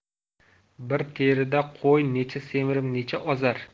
bir terida qo'y necha semirib necha ozar